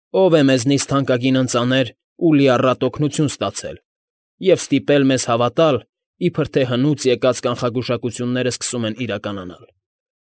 Ո՞վ է մեզնից թանկագին ընծաներ ու լիառատ օգնություն ստացել և ստիպել մեզ հավատալ, իբր թե հնուց եկած կանխագուշակություններն սկսում են իրականանալ։